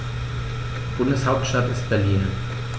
Bundeshauptstadt ist Berlin.